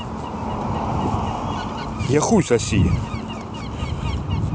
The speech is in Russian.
я хуй соси